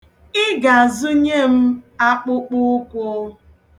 Ị ga-azụnye m akpụkpụụkwụ.